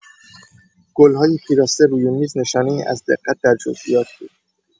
گل‌های پیراسته روی میز نشانه‌ای از دقت در جزئیات بود.